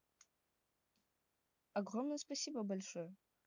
огромное спасибо большое